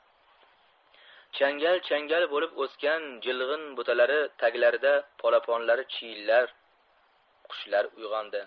changal changal bo'lib o'sgan jilg'in butalari taglarida polaponlari chiyillab qushlar uyg'ondi